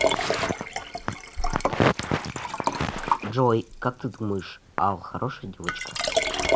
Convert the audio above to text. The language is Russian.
джой как ты думаешь all хорошая девочка